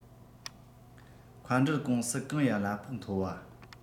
མཁའ འགྲུལ ཀུང སི གང ཡི གླ ཕོགས མཐོ བ